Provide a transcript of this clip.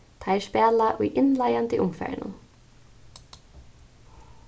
teir spæla í innleiðandi umfarinum